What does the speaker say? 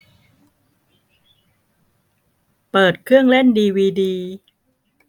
เปิดเครื่องเล่นดีวีดี